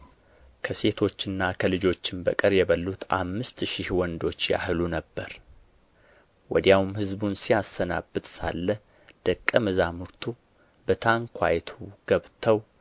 ከሴቶችና ከልጆችም በቀር የበሉት አምስት ሺህ ወንዶች ያህሉ ነበር ወዲያውም ሕዝቡን ሲያሰናብት ሳለ ደቀ መዛሙርቱ በታንኳይቱ ገብተው